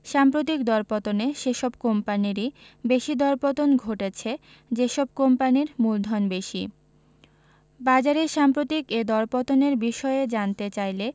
সাম্প্রতিক দরপতনে সেসব কোম্পানিরই বেশি দরপতন ঘটেছে যেসব কোম্পানির মূলধন বেশি বাজারের সাম্প্রতিক এ দরপতনের বিষয়ে জানতে চাইলে